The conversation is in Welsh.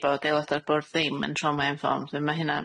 bod aelod o'r bwrdd ddim yn trauma-informed. Be' ma' hynna